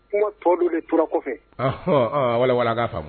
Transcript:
Kuma tɔ dɔ de tora kɔfɛ ahɔ ɔɔ a wala-wala an ŋ'a faamu